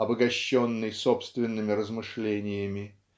обогащенный собственными размышлениями.